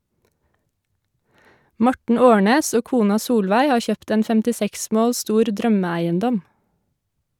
Morten Aarnes og kona Solveig har kjøpt en 56 mål stor drømmeeiendom.